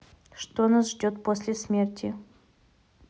что нас ждет после смерти